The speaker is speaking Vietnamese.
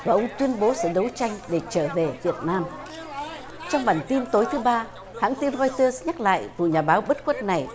và ông tuyên bố sẽ đấu tranh để trở về việt nam trong bản tin tối thứ ba hãng tin roi tơ nhắc lại vụ nhà báo bất khuất này